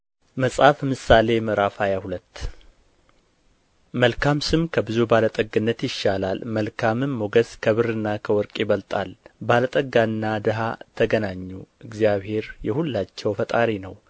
መጽሐፈ ምሳሌ ምዕራፍ ሃያ ሁለት መልካም ስም ከብዙ ባለጠግነት ይሻላል መልካምም ሞገስ ከብርና ከወርቅ ይበልጣል ባለጠና ድሀ ተገናኙ እግዚአብሔር የሁላቸው ፈጣሪ ነው